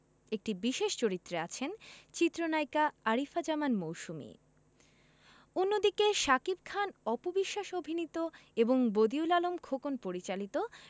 একটি বিশেষ চরিত্রে আছেন চিত্রনায়িকা আরিফা জামান মৌসুমী অন্যদিকে শাকিব খান অপু বিশ্বাস অভিনীত এবং বদিউল আলম খোকন পরিচালিত